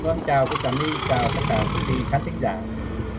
vâng chào cô trà my chào tất cả quý vị khán thính giả